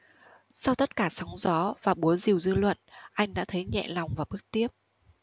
sau tất cả sóng gió và búa rìu dư luận anh đã thấy nhẹ lòng và bước tiếp